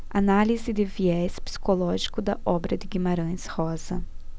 análise de viés psicológico da obra de guimarães rosa